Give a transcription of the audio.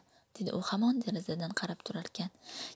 dedi u hamon derazadan qarab turarkan